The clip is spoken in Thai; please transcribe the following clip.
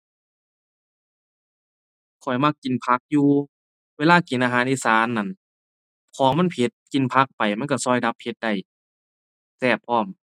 ข้อยมากินผักอยู่ เวลากินอาหารอีสานนั่น ของมันเผ็ด กินผักไปมันก็ก็ดับเผ็ดได้ แซ่บพร้อม